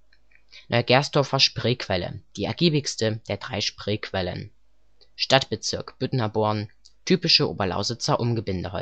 Neugersdorfer Spreequelle, die ergiebigste der drei Spreequellen. Stadtbezirk Büttnerborn – typische Oberlausitzer Umgebindehäuser